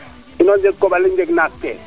ino njang Koɓale njeg naak ke